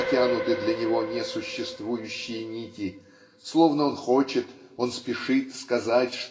протянуты для него несуществующие нити словно он хочет он спешит сказать